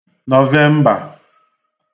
Nọ̀vembà